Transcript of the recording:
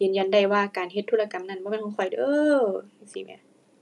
ยืนยันได้ว่าการเฮ็ดธุรกรรมนั้น บ่แม่นของข้อยเด้อ จั่งซี้แหม